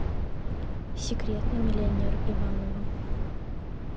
секретный миллионер иваново